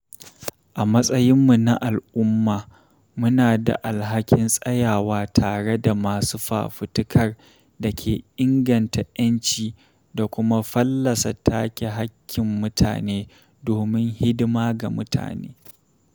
A matsayinmu na al'umma, muna da alhakin tsayawa tare da masu fafutukar da ke inganta ƴanci da kuma fallasa take hakkin mutane domin hidima ga mutane.